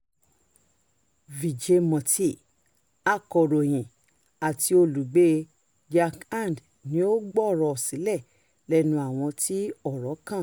B. Vijay Murty, akọ̀ròyìn àti olùgbé Jharkhand ni ó gbọ̀rọ̀ sílẹ̀ lẹ́nu àwọn tí ọ̀rọ́ kàn.